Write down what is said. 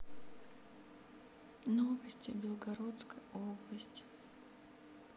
новости белгородской области